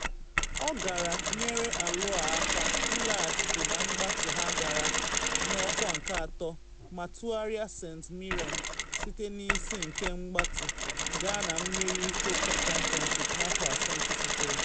Ọ gara nyere Alloa aka ịlaghachite na mgbatu ha gara n’ọkwa nke atọ, ma tụgharịa St Mirren site n’isi nke mgbatu gaa na mmeri iko Championship n’afọ asọmpi sotere.